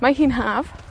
mae hi'n Haf.